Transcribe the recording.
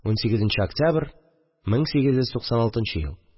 18 нче октября 1896 ел